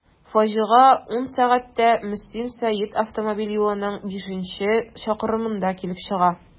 Фаҗига 10.00 сәгатьтә Мөслим–Сәет автомобиль юлының бишенче чакрымында килеп чыга.